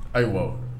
Ayiwa